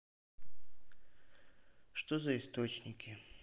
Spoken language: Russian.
что за источники